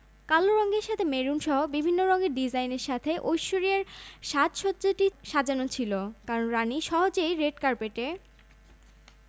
কালো রঙের সাথে মেরুনসহ বিভিন্ন রঙের ডিজাইনের সাথে ঐশ্বরিয়ার সাজ সজ্জাটি সাজানো ছিল কান রাণী সহজেই রেড কার্পেটে